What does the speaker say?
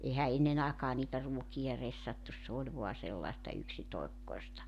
eihän ennen aikaan niitä ruokia ressattu se oli vain sellaista yksitoikkoista